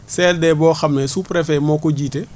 CLD boo xam ne sous préfet moo ko jiite